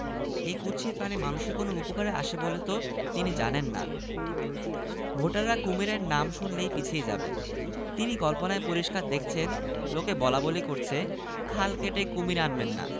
খুবই ভাল লাগে কিন্তু টাকা যে হারে যাচ্ছে তাতে মনে হচ্ছে দিন সাতেক পর আর কিছুই ভাল লাগবে না তার উপর মার্কা হল কুমীর কোন মানে হয় সিদ্দিক সাহেবের পাশে